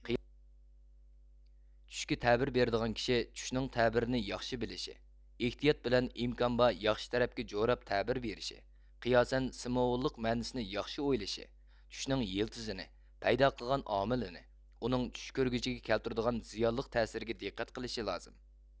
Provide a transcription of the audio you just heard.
چۈشكە تەبىر بېرىدىغان كىشى چۈشنىڭ تەبىرىنى ياخشى بىلىشى ئىھتىيات بىلەن ئىمكان بار ياخشى تەرەپكە جوراپ تەبىر بېرىشى قىياسەن سېموۋوللۇق مەنىسىنى ياخشى ئويلىشى چۈشنىڭ يىلتىزىنى پەيدا قىلغان ئامىلنى ئۇنىڭ چۈش كۆرگۈچىگە كەلتۈرىدىغان زىيانلىق تەسىرىگە دىققەت قىلىشى لازىم